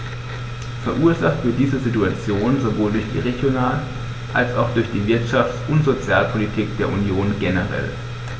Verursacht wird diese Situation sowohl durch die Regional- als auch durch die Wirtschafts- und Sozialpolitik der Union generell.